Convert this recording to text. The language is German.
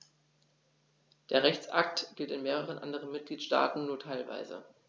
Der Rechtsakt gilt in mehreren anderen Mitgliedstaaten nur teilweise.